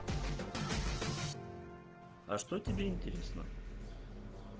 а что тебе интересно